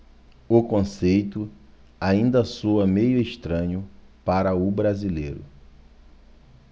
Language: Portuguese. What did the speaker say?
o conceito ainda soa meio estranho para o brasileiro